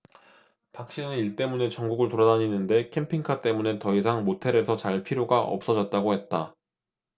박씨는 일 때문에 전국을 돌아다니는데 캠핑카 때문에 더 이상 모텔에서 잘 필요가 없어졌다고 했다